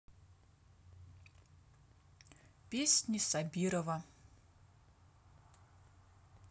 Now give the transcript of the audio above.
песни сабирова